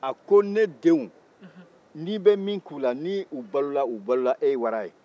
a ko ne denw n'i bɛ min kɛ u la ni u balola u balola e wara ye